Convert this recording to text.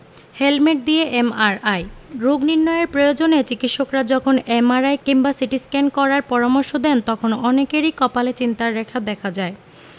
helmet দিয়ে MRI রোগ নির্নয়ের প্রয়োজনে চিকিত্সকরা যখন এমআরআই কিংবা সিটিস্ক্যান করার পরামর্শ দেন তখন অনেকের কপালে চিন্তার রেখা দেখা দেয়